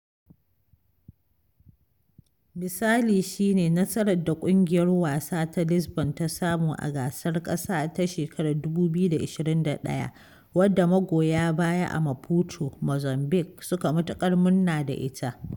Misali shi ne nasarar da ƙungiyar wasa ta Lisbon ta samu a gasar ƙasa ta 2021, wadda magoya baya a Maputo (Mozambique) suka matuƙar murna da ita.